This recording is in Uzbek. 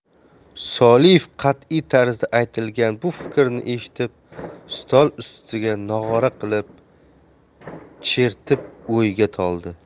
soliev qat'iy tarzda aytilgan bu fikrni eshitib stol ustini nog'ora qilib chertib o'yga toldi